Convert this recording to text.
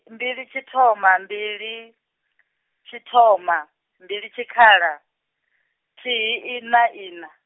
mbili tshithoma, mbili, tshithoma, mbili tshikhala, thihi ina ina.